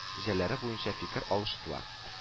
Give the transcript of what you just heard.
Җәләре буенча фикер алыштылар